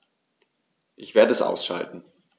Ich werde es ausschalten